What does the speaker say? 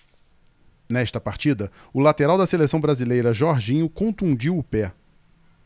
nesta partida o lateral da seleção brasileira jorginho contundiu o pé